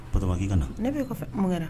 Ttoba k'i ka na ne bɛ kɔfɛ munkɛ kɛra